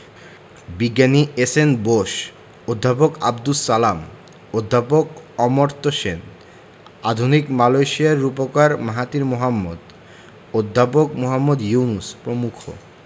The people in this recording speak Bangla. বিজ্ঞানী এস.এন বোস অধ্যাপক আবদুস সালাম অধ্যাপক অমর্ত্য সেন আধুনিক মালয়েশিয়ার রূপকার মাহাথির মোহাম্মদ অধ্যাপক মুহম্মদ ইউনুস প্রমুখ